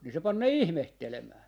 niin se pani ne ihmettelemään